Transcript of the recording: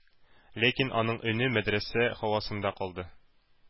Ләкин аның өне мәдрәсә һавасында калды.